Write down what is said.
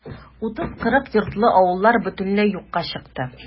30-40 йортлы авыллар бөтенләй юкка чыкты.